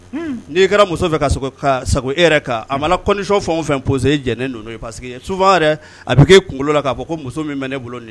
Unhun, n'i kɛra muso fɛ ka sako i yɛrɛ ka a mana condiion fɛn o fɛn posées e jɛnnen do n'o ye parce que souvent yɛrɛ a bɛ k'e kunkolo la k'a fɔ ko muso min bɛ ne bolo nin ye